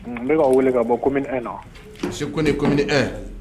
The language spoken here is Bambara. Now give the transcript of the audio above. N bɛ'aw weele ka bɔ kɔmi e la se ko ne ko ni e